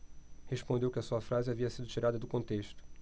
respondeu que a sua frase havia sido tirada do contexto